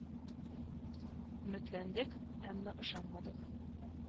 Өметләндек, әмма ышанмадык.